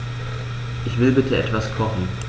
Ich will bitte etwas kochen.